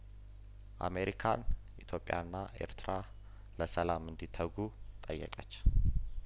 አሜሪካን ኢትዮጵያና ኤርትራ ለሰላም እንዲተጉ ጠየቀች